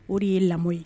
O de ye ye